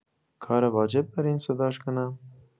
کار واجب دارین صداش کنم؟